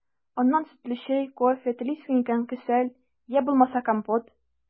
Аннан сөтле чәй, кофе, телисең икән – кесәл, йә булмаса компот.